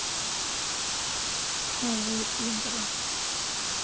новые игры